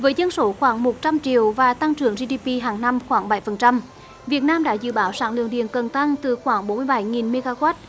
với dân số khoảng một trăm triệu và tăng trưởng di đi pi hàng năm khoảng bảy phần trăm việt nam đã dự báo sản lượng điện cần tăng từ khoảng bốn mươi bảy nghìn mê ga oát